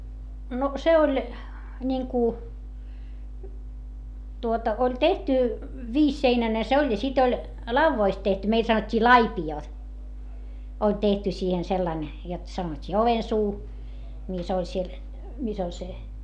no se oli niin kuin tuota oli tehty viisiseinäinen se oli ja sitten oli laudoista tehty meillä sanottiin laipiot oli tehty siihen sillä lailla jotta sanottiin ovensuu missä oli siellä missä oli se